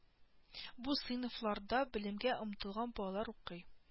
Бу сыйныфларда белемгә омтылган балалар укый